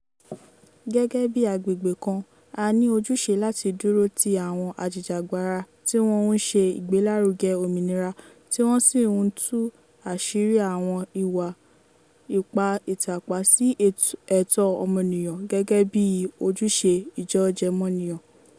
Gẹ́gẹ́ bí agbègbè kan, a ní ojúṣe láti dúró ti àwọn ajìjàgbara tí wọn ń ṣe ìgbélárugẹ òmìnira tí wọ́n sì ń tú àṣírí àwọn ìwà ipá ìtàpá sí ẹ̀tọ́ ọmọnìyàn gẹ́gẹ́ bíi ojúṣe ìjọọjẹ́mọnìyàn.